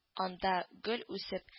Анда гөл үсеп